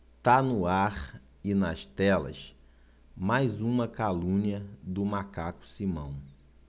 tá no ar e nas telas mais uma calúnia do macaco simão